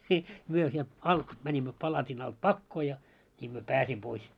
niin me sieltä alta menimme palatin alta pakoon ja niin me pääsimme pois